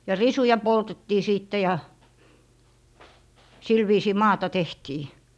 ja risuja poltettiin sitten ja sillä viisiin maata tehtiin